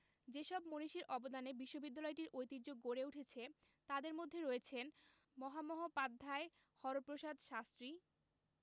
যেসব মনীষীর অবদানে বিশ্ববিদ্যালয়টির ঐতিহ্য গড়ে উঠেছে তাঁদের মধ্যে রয়েছেন মহামহোপাধ্যায় হরপ্রসাদ শাস্ত্রী